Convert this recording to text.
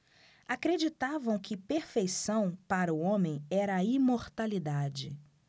acreditavam que perfeição para o homem era a imortalidade